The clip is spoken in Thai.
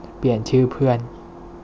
เปลี่ยนชื่อเพื่อน